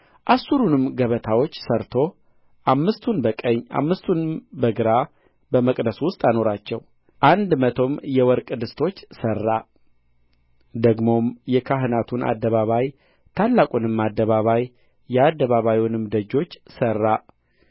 አሥሩንም ገበታዎች ሠርቶ አምስቱን በቀኝ አምስቱንም በግራ በመቅደሱ ውስጥ አኖራቸው አንድ መቶም የወርቅ ድስቶች ሠራ ደግሞም የካህናቱን አደባባይ ታላቁንም አደባባይ የአደባባዩንም ደጆች ሠራ